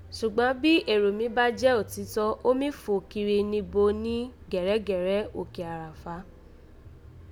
Ṣùgbán bí èrò mí bá jẹ́ òtítọ́, ó mí fò kiri níbo ní gẹ̀rẹ́gẹ̀rẹ́ òkè Àràfá